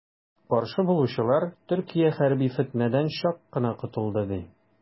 Каршы булучылар, Төркия хәрби фетнәдән чак кына котылды, ди.